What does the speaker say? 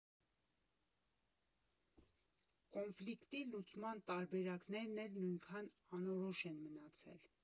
Կոնֆլիկտի լուծման տարբերակներն էլ նույնքան անորոշ են մնացել։